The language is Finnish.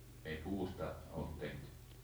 ei puusta ollut tehty